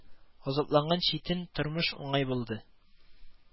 Азапланган читен тормыш уңай булды